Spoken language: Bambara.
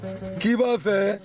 K'i b'a fɛ.